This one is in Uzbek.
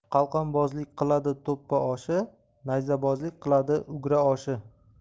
qalqonbozlik qiladi to'ppa oshi nayzabozlik qiladi ugra oshi